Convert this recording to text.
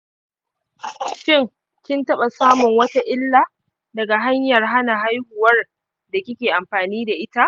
shin kin taɓa samun wata illa daga hanyar hana haihuwar da kike amfani da ita?